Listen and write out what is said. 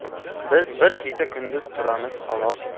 biz bir kecha kunduz turamiz xolos